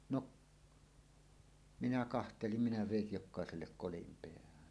no minä katselin minä vedin jokaiselle kolin päähän